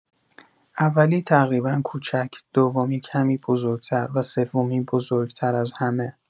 اولی تقریبا کوچک، دومی کمی بزرگ‌تر و سومی بزرگ‌تر از همه.